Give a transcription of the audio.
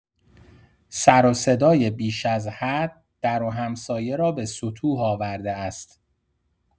سر و صدای بیش از حد، در و همسایه را به سطوح آورده است.